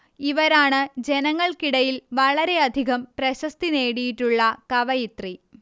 ഇവരാണ് ജനങ്ങൾക്കിടയിൽ വളരെയധികം പ്രശസ്തി നേടിയിട്ടുള്ള കവയിത്രി